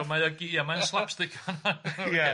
So mae o'n ia mae o'n slapstick... Ia